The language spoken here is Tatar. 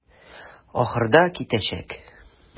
Ахырда китәчәк.